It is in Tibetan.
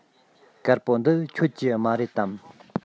དཀར པོ འདི ཁྱོད ཀྱི མ རེད དམ